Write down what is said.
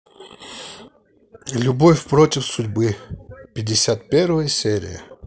любовь против судьбы пятьдесят первая серия